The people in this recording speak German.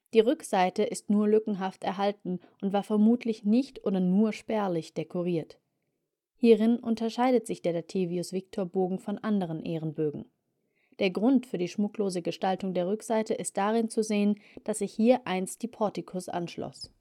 Die Rückseite ist nur lückenhaft erhalten und war vermutlich nicht oder nur spärlich dekoriert. Hierin unterscheidet sich der Dativius-Victor-Bogen von anderen Ehrenbögen. Der Grund für die schmucklose Gestaltung der Rückseite ist darin zu sehen, dass sich hier einst die Portikus anschloss